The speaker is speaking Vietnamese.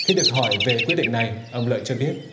khi được hỏi về quyết định này ông lợi cho biết